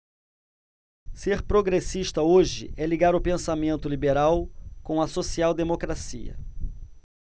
ser progressista hoje é ligar o pensamento liberal com a social democracia